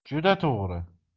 juda to'g'ri